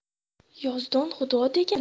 yazdon xudo degani